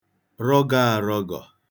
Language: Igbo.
rọgọ̄ ārọ̄gọ̀